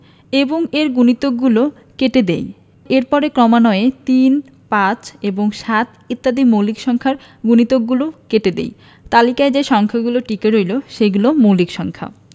এবং এর গুণিতকগলো কেটে দেই এরপর ক্রমান্বয়ে ৩ ৫ এবং ৭ ইত্যাদি মৌলিক সংখ্যার গুণিতকগুলো কেটে দিই তালিকায় যে সংখ্যাগুলো টিকে রইল সেগুলো মৌলিক সংখ্যা